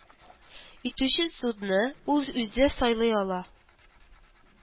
Итүче судны ул үзе сайлый ала